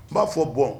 N b'a fɔ bɔn